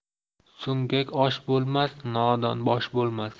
so'ngak osh bo'lmas nodon bosh bo'lmas